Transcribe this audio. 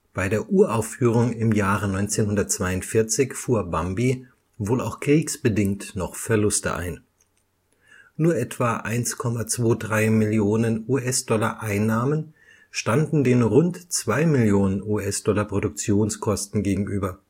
Bei der Uraufführung im Jahre 1942 fuhr Bambi, wohl auch kriegsbedingt, noch Verluste ein. Nur etwa 1,23 Mio. US-Dollar Einnahmen standen den rund zwei Millionen US-Dollar Produktionskosten gegenüber